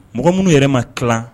Mɔgɔ minnu yɛrɛ ma kalan